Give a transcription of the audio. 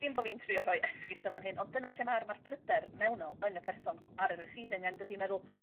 ...dim bo' fi'n trio rhoi esgus yn fan hyn ond dyna lle ma'r ma'r pryder mewnol yn y person ar y receiving end ydi meddwl